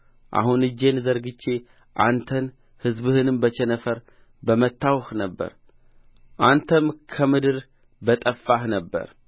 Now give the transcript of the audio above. አሁን እጄን ዘርግቼ አንተን ሕዝብህንም በቸነፈር በመታሁህ ነበር አንተም ከምድር በጠፋህ ነበር